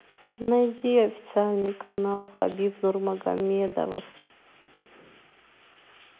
найди официальный канал хабиб нурмагомедов